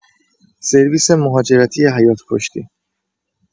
سرویس مهاجرتی حیاط پشتی